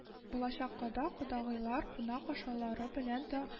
Булачак кода-кодагыйлар кунак ашлары белән дә